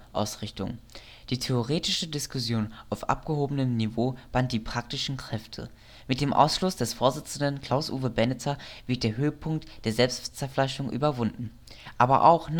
Ausrichtung. Die theoretische Diskussion auf abgehobenen Niveau band die praktischen Kräfte. Mit dem Ausschluss des Vorsitzenden Klaus Uwe Benneter wird der Höhepunkt der Selbstzerfleischung überwunden. Aber auch